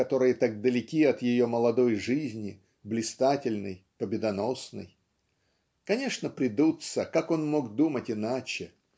которые так далеки от ее молодой жизни блистательной победоносной. Конечно, придутся! Как он мог думать иначе?